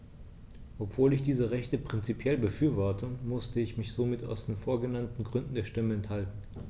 Obwohl ich diese Rechte prinzipiell befürworte, musste ich mich somit aus den vorgenannten Gründen der Stimme enthalten.